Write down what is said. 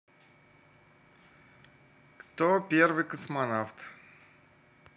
кто первый космонавт